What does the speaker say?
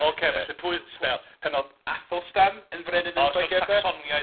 Ok felly pwy... Pan oedd Æthelstan yn frenin yn Lloegr 'de. O so'r Sacsoniaid.